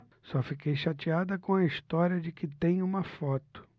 só fiquei chateada com a história de que tem uma foto